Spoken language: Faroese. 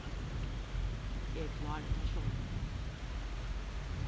eg klári tað sjálv